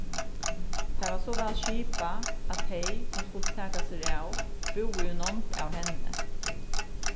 tað var so væl skipað at tey hon skuldi taka sær av búðu í nánd av henni